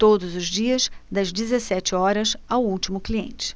todos os dias das dezessete horas ao último cliente